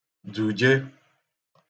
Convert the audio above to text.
duje